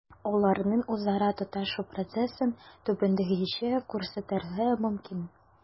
Аларның үзара тоташу процессын түбәндәгечә күрсәтергә мөмкин: